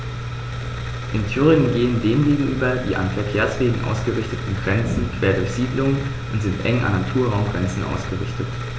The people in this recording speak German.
In Thüringen gehen dem gegenüber die an Verkehrswegen ausgerichteten Grenzen quer durch Siedlungen und sind eng an Naturraumgrenzen ausgerichtet.